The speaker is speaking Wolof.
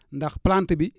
ndax plante bi